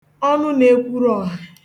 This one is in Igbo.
ọnụnaekwurụọ̀hà